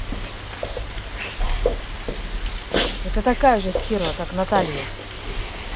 это такая же стерва как наталья